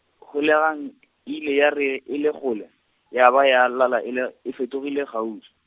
holegang , e ile ya re e le kgole, ya ba ya lala e l-, e fetogile kgauswi.